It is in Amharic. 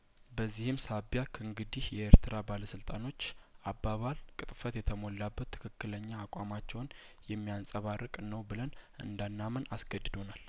በዚህም ሳቢያ ከእንግዲህ የኤርትራ ባለስልጣኖች አባባል ቅጥፈት የተሞላበት ትክክለኛ አቋማቸውን የሚያንጸባርቅ ነው ብለን እንዳናምን አስገድዶናል